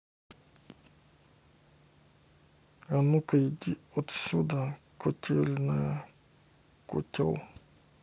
а ну ка иди отсюда котельная котел